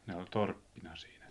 ne oli torppina siinä